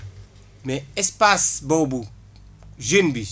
mais espace boobu jeune bi